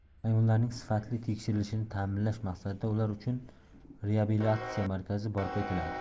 hayvonlarning sifatli tekshirilishini ta'minlash maqsadida ular uchun reabilitatsiya markazi barpo etiladi